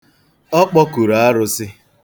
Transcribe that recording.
Ọ kpọkuru arụsị